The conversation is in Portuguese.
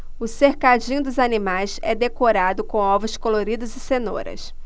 o cercadinho dos animais é decorado com ovos coloridos e cenouras